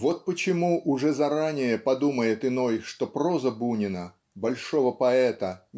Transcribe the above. Вот почему уже заранее подумает иной что проза Бунина большого поэта